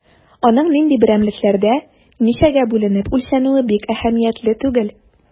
Аның нинди берәмлекләрдә, ничәгә бүленеп үлчәнүе бик әһәмиятле түгел.